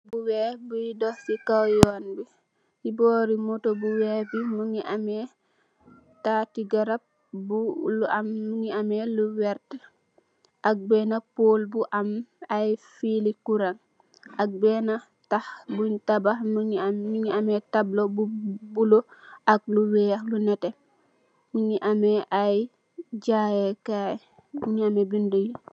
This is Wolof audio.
Bu wekh bui dokh cii kaw yon bii, chi bori motor bu wekh bii mungy ameh taati garab bu lu am mungy ameh lu vertue, ak benah pol bu am aiiy filli kurang ak benah taakh bungh tabakh mungy am mungy ameh tableaux bu bleu ak lu wekh lu nehteh, mungy ameh aiiy jaaayeh kaii mungy ameh bindue...